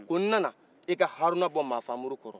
ko n nana e ka haruna bɔ maafaamuru kɔrɔ